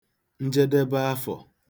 njedebe afọ̀